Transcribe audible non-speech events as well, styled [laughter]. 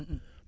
[hesitation] hum